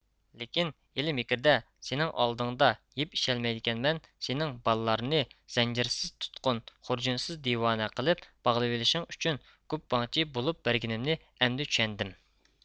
لېكىن ھىيلە مىكىردە سېنىڭ ئالدىڭدا يىپ ئېشەلمەيدىكەنمەن سېنىڭ بالىلارنى زەنجىرسىز تۇتقۇن خۇرجۇنسىز دىۋانە قىلىپ باغلىۋېلىشىڭ ئۈچۈن گۇپپاڭچى بولۇپ بەرگىنىمنى ئەمدى چۈشەندىم